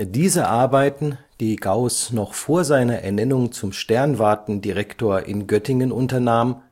Diese Arbeiten, die Gauß noch vor seiner Ernennung zum Sternwarten-Direktor in Göttingen unternahm,